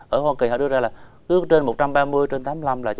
ở hoa kỳ họ đưa ra là cứ trên một trăm ba mươi trên tám lăm là